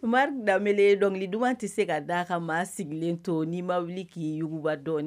Umaru Danbɛlɛ dɔnkili duman tɛ se ka da ka maa sigilen to n'i ma wuli k'i yuguba dɔni.